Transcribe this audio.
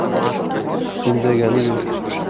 indagani yo'q